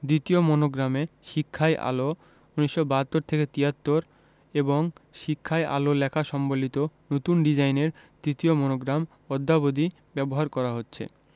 দ্বিতীয় মনোগ্রামে শিক্ষাই আলো ১৯৭২ ৭৩ এবং শিক্ষাই আলো লেখা সম্বলিত নতুন ডিজাইনের তৃতীয় মনোগ্রাম অদ্যাবধি ব্যবহার করা হচ্ছে